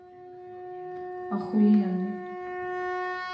охуенный